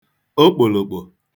okpòlòkpò